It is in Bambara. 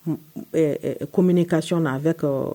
Hun . Ɛɛ communication na avec